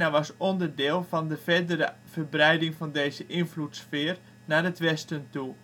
was onderdeel van de verdere verbreiding van deze invloedssfeer naar het westen toe